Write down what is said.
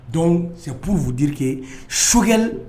Dɔnku sɛ'u'u dike sokɛgɛ